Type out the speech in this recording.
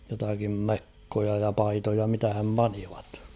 jotakin mekkoja ja paitoja mitähän panivat